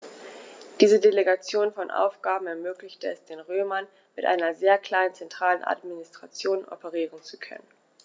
Diese Delegation von Aufgaben ermöglichte es den Römern, mit einer sehr kleinen zentralen Administration operieren zu können.